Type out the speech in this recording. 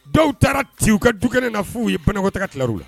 Dɔw taara ti u ka du kɛnɛ na f'u ye banakɔtaga kilar'u la